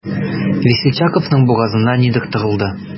Весельчаковның бугазына нидер тыгылды.